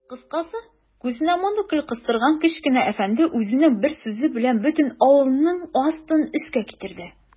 Кыскасы, күзенә монокль кыстырган кечкенә әфәнде үзенең бер сүзе белән бөтен авылның астын-өскә китерде.